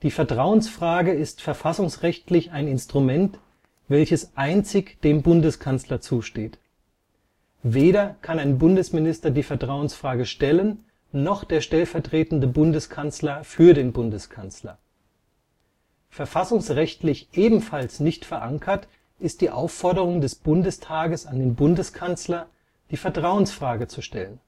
Vertrauensfrage ist verfassungsrechtlich ein Instrument, welches einzig dem Bundeskanzler zusteht. Weder kann ein Bundesminister die Vertrauensfrage stellen noch der stellvertretende Bundeskanzler für den Bundeskanzler. Verfassungsrechtlich ebenfalls nicht verankert ist die Aufforderung des Bundestages an den Bundeskanzler, die Vertrauensfrage zu stellen